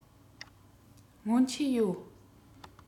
སྔོན ཆད ཡོད